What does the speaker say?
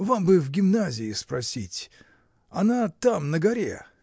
Вам бы в гимназии спросить — она там на горе.